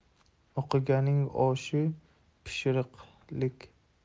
o'qiganning oshi pishirig'lik